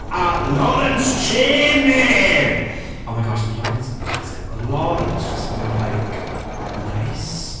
a Lawrence Chaney! Oh my gosh, oedd Lawrence yn amazing. Oedd Lawrence jyst mor like nice.